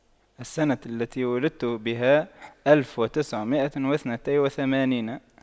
السنة التي ولدت بها ألف وتسعمئة واثنتي وثمانين